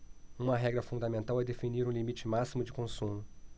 uma regra fundamental é definir um limite máximo de consumo